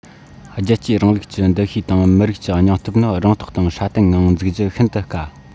རྒྱལ གཅེས རིང ལུགས ཀྱི འདུ ཤེས དང མི རིགས ཀྱི སྙིང སྟོབས ནི རང རྟོགས དང སྲ བརྟན ངང འཛུགས རྒྱུ ཤིན ཏུ དཀའ